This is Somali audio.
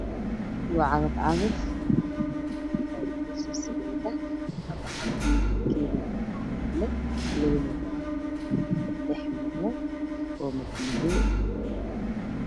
Waa Cagaf Cagaf oo cabcab ah Midabkeedu waa jaale lugoheeda waa 6 lugood oo mad madow ah